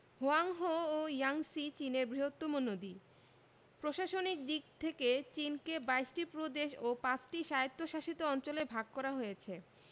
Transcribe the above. Hwang Ho ও Yangtze চীনের বৃহত্তম নদী প্রশাসনিক দিক থেকে চিনকে ২২ টি প্রদেশ ও ৫ টি স্বায়ত্তশাসিত অঞ্চলে ভাগ করা হয়েছে